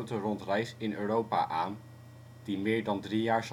rondreis in Europa aan die meer dan drie jaar